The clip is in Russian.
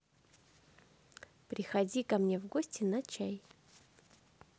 приходи ко мне в гости на чай